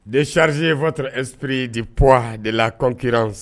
décharger votre du poids de la concurrence